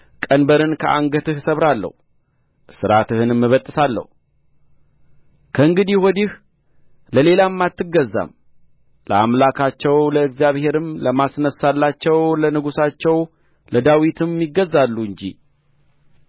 ቀንበርን ከአንገትህ እሰብራለሁ እስራትህንም እበጥሳለሁ ከእንግዲህ ወዲህም ለሌላ አትገዛም ለአምላካቸው ለእግዚአብሔርም ለማስነሣላቸው ለንጉሣቸው ለዳዊትም ይገዛሉ እንጂ